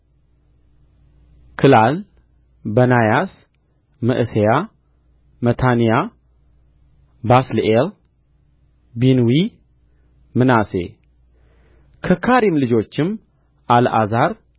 ክላል በናያስ መዕሤያ ሙታንያ ባስልኤል ቢንዊ ምናሴ ከካሪም ልጆችም አልዓዛር